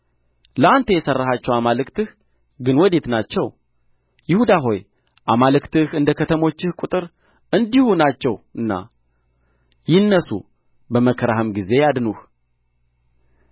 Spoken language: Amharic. ለአንተ የሠራሃቸው አማልክትህ ወዴት ናቸው ይሁዳ ሆይ አማልክትህ እንደ ከተሞችህ ከወተር እንዲሁ ናቸውና ይነሡ በመከራህም ጊዜ ያድኑህ